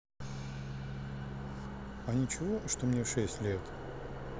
а ничего что мне шесть лет